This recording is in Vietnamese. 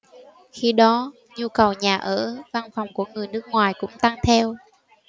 khi đó nhu cầu nhà ở văn phòng của người nước ngoài cũng tăng theo